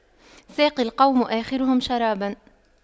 ساقي القوم آخرهم شراباً